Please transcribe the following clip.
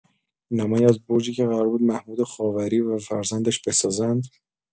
نمایی از برجی که قرار بود محمود خاوری و فرزندش بسازند.